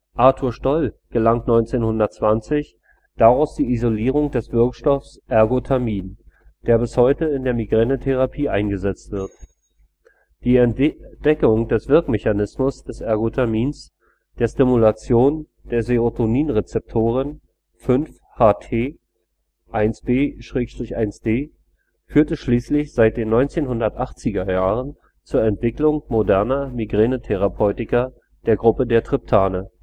Arthur Stoll gelang 1920 daraus die Isolierung des Wirkstoffs Ergotamin, der bis heute in der Migränetherapie eingesetzt wird. Die Entdeckung des Wirkmechanismus des Ergotamins, der Stimulation der Serotoninrezeptoren 5-HT1B/1D, führte schließlich seit den 1980er Jahren zur Entwicklung moderner Migränetherapeutika, der Gruppe der Triptane